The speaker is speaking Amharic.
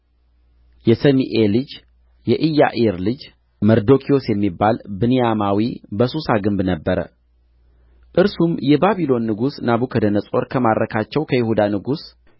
የሰሜኢ ልጅ የኢያዕር ልጅ መርዶክዮስ የሚባል ብንያማዊ በሱሳ ግንብ ነበረ እርሱም የባቢሎን ንጉሥ ናቡከደነፆር ከማረካቸው ከይሁዳ ንጉሥ